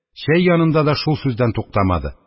Чәй янында да шул сүздән туктамады.